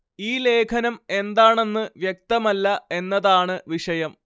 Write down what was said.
ഈ ലേഖനം എന്താണെന്ന് വ്യക്തമല്ല എന്നതാണ് വിഷയം